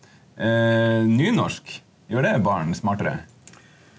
nynorsk gjør det barn smartere?